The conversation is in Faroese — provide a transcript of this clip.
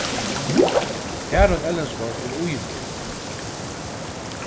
karin ellingsgaard er íri